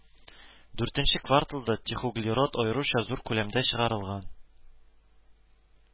Дүртенче кварталда техуглерод аеруча зур күләмдә чыгарылган